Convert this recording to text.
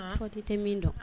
An i ko k'i tɛ min dɔn